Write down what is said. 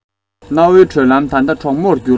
གནའ བོའི བགྲོད ལམ ད ལྟ གྲོག མོར གྱུར